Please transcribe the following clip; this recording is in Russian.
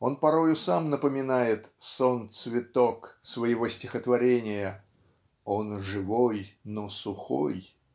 Он порою сам напоминает "сон-цветок" своего стихотворения "он - живой, но сухой".